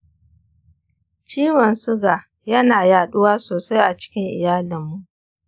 ciwon suga ya na yaɗuwa sosai a cikin iyalinmu.